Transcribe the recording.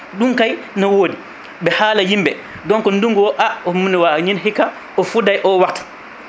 ɗum kay ne wodi ɓe haala yimɓe donc ndungu o a o ndungu wa ñin hikka o fuɗay o waktu